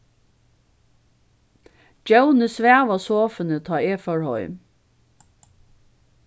djóni svav á sofuni tá eg fór heim